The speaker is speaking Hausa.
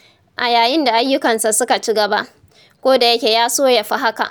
A yayin da ayyukansa suka ci gaba, kodayake ya so ya fi haka.